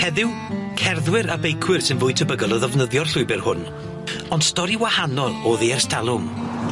Heddiw cerddwyr a beicwyr sy'n fwy tebygol o ddefnyddio'r llwybyr hwn ond stori wahanol o'dd 'i ers talwm.